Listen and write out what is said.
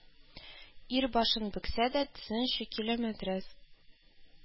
Ир, башын бөксә дә, тезен чүкилометрәс